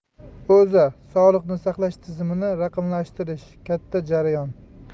o'za sog'liqni saqlash tizimini raqamlashtirish katta jarayon